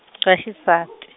ra xisati.